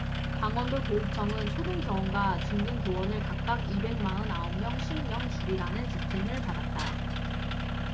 강원도교육청은 초등교원과 중등교원을 각각 이백 마흔 아홉 명 쉰 명 줄이라는 지침을 받았다